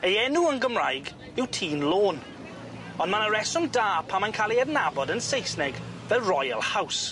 Ei enw yn Gymraeg yw Tŷ'n Lôn, ond ma' 'na reswm da pam mae'n ca'l ei adnabod yn Saesneg fel Royal House.